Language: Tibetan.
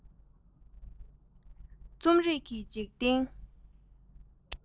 རྩོམ རིག གི འཇིག རྟེན